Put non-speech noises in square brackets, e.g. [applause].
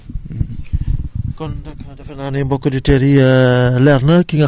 parce que [hesitation] loolu noonu dafay dimbali micro organismes yi nekk ci biir suuf si daal